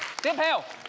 tiếp theo